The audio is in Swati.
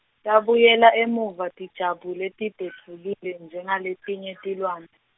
Tabuyela emuva tijabule tibhedvukile njengaletinye tilwane.